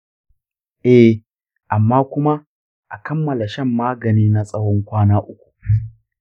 ee, amma kuma a kammala shan maganin na tsawon kwana uku.